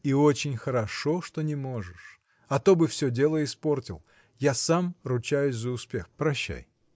– И очень хорошо, что не можешь, а то бы все дело испортил. Я сам ручаюсь за успех. Прощай!